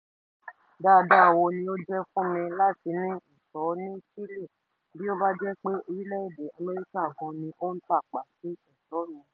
Dáadáa wo ni ó jẹ́ fún mi láti ní ìṣọ́ ní Chile bí ó bá jẹ́ pé orílẹ̀-èdè Amẹ́ríkà gan ni ó ń tàpá sí ẹ̀tọ́ mi?